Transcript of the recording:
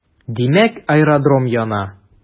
Димәк, аэродром яна.